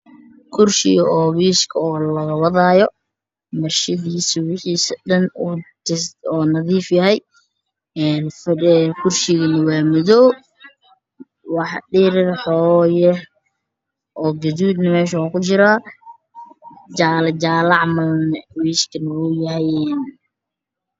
Kursiga wiish ka laga wadaayo marshadiisa oo nadiif tahay